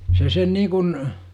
se sen niin kuin